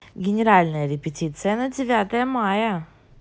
генеральная репетиция на девятое мая